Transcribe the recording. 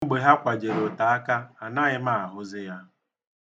Kemgbe ha kwajere otaaka, anaghị m ahụzị ya